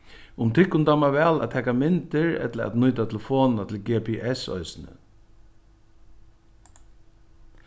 um tykkum dámar væl at taka myndir ella at nýta telefonina til gps eisini